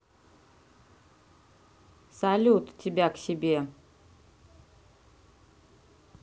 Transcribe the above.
салют тебя к себе